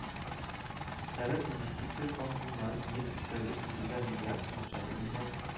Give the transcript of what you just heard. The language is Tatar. РФ Инвестиция фондыннан нефть үткәргеч төзүгә миллиард сум акча бүленгән